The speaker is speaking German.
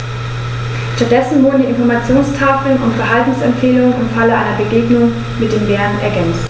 Stattdessen wurden die Informationstafeln um Verhaltensempfehlungen im Falle einer Begegnung mit dem Bären ergänzt.